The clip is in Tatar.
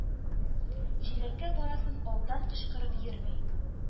Җиләккә барасын алдан кычкырып йөрми: